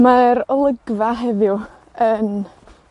mae'r olygfa heddiw yn